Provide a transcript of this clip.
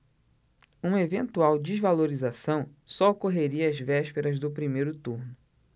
uma eventual desvalorização só ocorreria às vésperas do primeiro turno